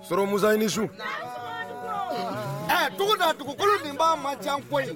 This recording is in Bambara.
Sɔrɔ muzɔny nis ɛ duguda dugukolo nin' ma jan fɔ yen